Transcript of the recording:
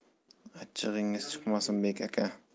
achchig'ingiz chiqmasin bek aka